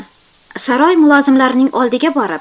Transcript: saroy mulozimlarining oldiga borib